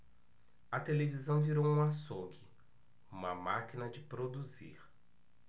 a televisão virou um açougue uma máquina de produzir